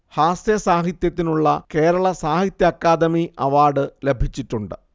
ഹാസ്യ സാഹിത്യത്തിനുള്ള കേരള സാഹിത്യ അക്കാദമി അവാർഡ് ലഭിച്ചിട്ടുണ്ട്